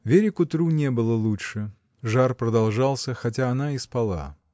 Вере к утру не было лучше. Жар продолжался, хотя она и спала.